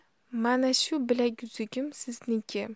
mana shu bilaguzugim sizniki